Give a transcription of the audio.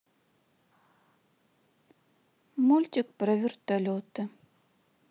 мультик про вертолеты